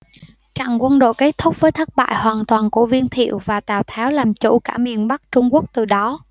trận quan độ kết thúc với thất bại hoàn toàn của viên thiệu và tào tháo làm chủ cả miền bắc trung quốc từ đó